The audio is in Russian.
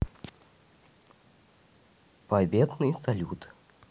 победный салют